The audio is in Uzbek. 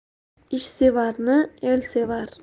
ishsevarni el sevar